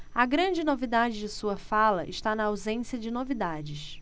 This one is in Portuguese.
a grande novidade de sua fala está na ausência de novidades